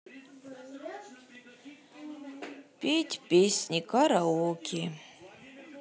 петь песни караоке